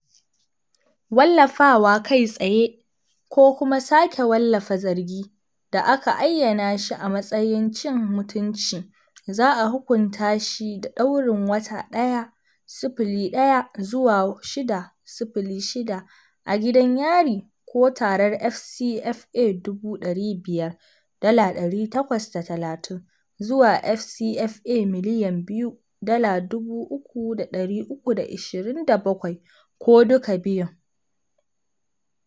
Wallafawa kai tsaye ko kuma sake wallafa zargi da aka ayyana shi a matsayin cin mutunci, za a hukunta shi da ɗaurin wata ɗaya (01) zuwa shida (06) a gidan yari, ko tarar FCFA 500,000 (dala 830) zuwa FCFA 2,000,000 (dala 3,327), ko duka biyun.